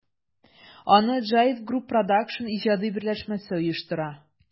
Аны JIVE Group Produсtion иҗади берләшмәсе оештыра.